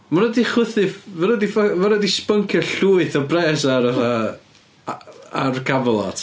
Maen nhw 'di chwythu... mae nhw 'di ffy... maen nhw sbyncio llwyth o bres ar fatha a- ar Camelot.